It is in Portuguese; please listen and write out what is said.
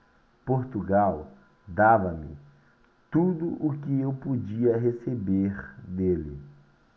portugal dava-me tudo o que eu podia receber dele